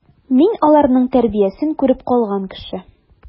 Мин аларның тәрбиясен күреп калган кеше.